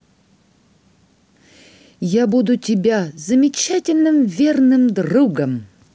я буду тебя замечательным верным другом